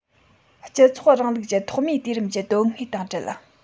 སྤྱི ཚོགས རིང ལུགས ཀྱི ཐོག མའི དུས རིམ གྱི དོན དངོས དང བྲལ